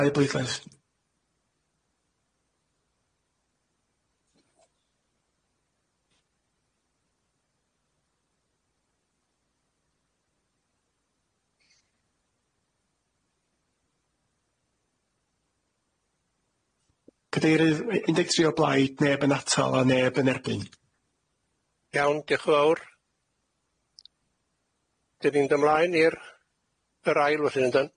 Dau bleidlais. Cadeirydd ma un deg tri o blaid, neb yn atal a neb yn erbyn. REit dioch yn fowr. Da ni'n mynd ymlaen i'r ail wedyn yndan?